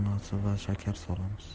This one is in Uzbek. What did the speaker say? va shakar solamiz